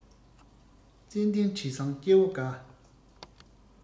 ཙན དན དྲི བཟང སྐྱེ བོ དགའ